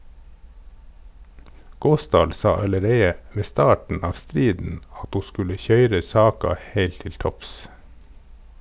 Gåsdal sa allereie ved starten av striden at ho skulle køyre saka heilt til topps.